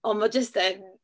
Ond mae o jyst yn...